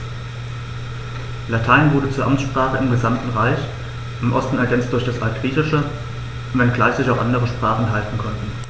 Latein wurde zur Amtssprache im gesamten Reich (im Osten ergänzt durch das Altgriechische), wenngleich sich auch andere Sprachen halten konnten.